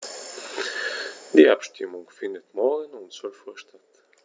Die Abstimmung findet morgen um 12.00 Uhr statt.